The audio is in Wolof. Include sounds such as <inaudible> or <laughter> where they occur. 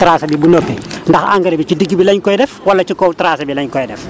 tracée bi bu noppee <noise> ndax engrais bi ci digg lañ koy def wala ci kaw tracée bi lañ koy def